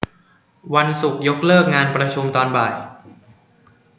วันศุกร์ยกเลิกงานประชุมตอนบ่าย